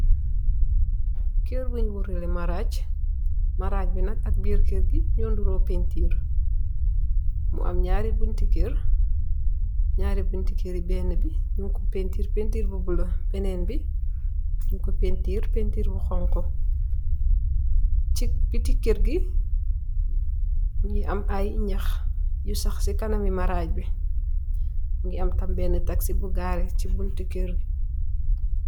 Keur bun woraleh marag marag bi nak ak birr keur bi nyu nduru painturr mu am naari bunti keur bunti naari bunti keur bi bena bi nyun ko painturr painturr bu bulo benen bi nyun ko paintirr paintirr bu xonxu si biti keur gi mogi am ay nhaax yu sah si kanami marag bi mogi am tam bena taxi bu gareh si bunti keur.